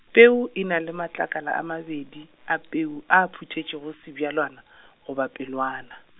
peu e na le matlakala a mabedi, a peu, a a phuthetšego sebjalwana, goba pelwana.